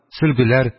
Сөлгеләр,